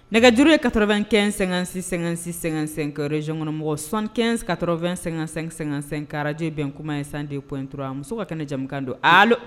Nɛgɛjuru ye katɔ2ɛn--sɛ--sɛ--sɛka zgɔnmɔgɔ sanɛnka2---sɛnkaraj bɛn kuma in sanden p intura muso ka kɛnɛ jamukan don a